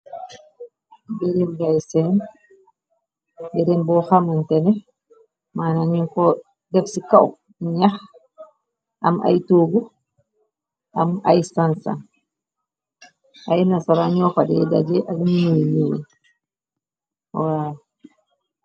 Girin ngay seen géreen boo xamante ne mana ñu ko def ci kaw nax am ay tuugu am ay sangsang ay nasaraño fade daje ak nit yu nyul yi waw.